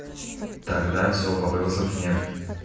тогда все вопросов нет